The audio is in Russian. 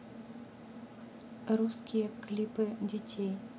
русские клипы детей